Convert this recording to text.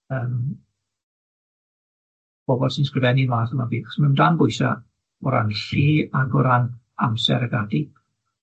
yym bobol sy'n sgrifennu math wnna beth, 'chos ma nw o dan bwysa' o ran lle ac o ran amser ag ati.